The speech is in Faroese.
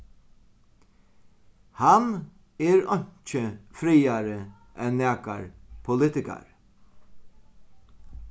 hann er einki frægari enn nakar politikari